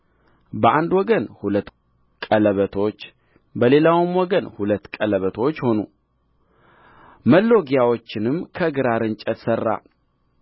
በአንድ ወገን ሁለት ቀለበቶች በሌላውም ወገን ሁለት ቀለበቶች ሆኑ መሎጊያዎቹንም ከግራር እንጨት ሠራ